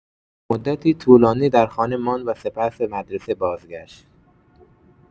مدتی طولانی در خانه ماند و سپس به مدرسه بازگشت.